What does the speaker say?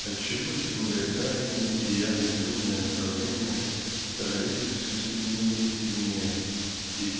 От чего эти более крайние и явно безумные направления становились все сильнее и сильнее и